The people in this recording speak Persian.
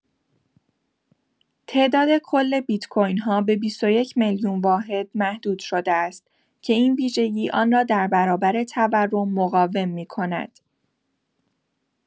تعداد کل بیت‌کوین‌ها به ۲۱ میلیون واحد محدود شده است که این ویژگی آن را در برابر تورم مقاوم می‌کند.